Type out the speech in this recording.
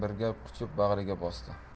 birga quchib bag'riga bosdi